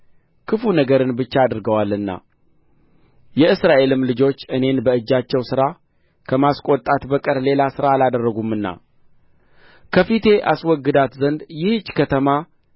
ክፉ ነገርን ብቻ አድርገዋልና የእስራኤልም ልጆች እኔን በእጃቸው ሥራ ከማስቈጣት በቀር ሌላ ሥራ አላደረጉምና ከፊቴ አስወግዳት ዘንድ ይህች ከተማ ከሠሩአት